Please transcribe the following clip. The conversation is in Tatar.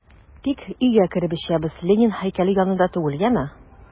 Тик өйгә кереп эчәбез, Ленин һәйкәле янында түгел, яме!